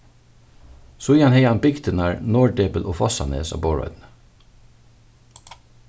síðan hevði hann bygdirnar norðdepil og fossánes á borðoynni